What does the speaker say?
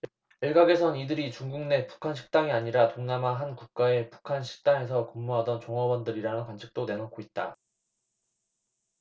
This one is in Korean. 일각에선 이들이 중국내 북한 식당이 아니라 동남아 한 국가의 북한 식당에서 근무하던 종업원들이라는 관측도 내놓고 있다